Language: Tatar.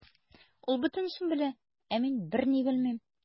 Ул бөтенесен белә, ә мин берни белмим.